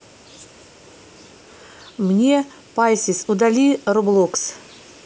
мне pieces удали роблокс